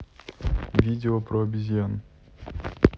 видео про обезьян